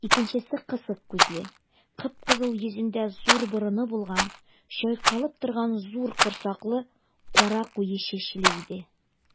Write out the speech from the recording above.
Икенчесе кысык күзле, кып-кызыл йөзендә зур борыны булган, чайкалып торган зур корсаклы, кара куе чәчле иде.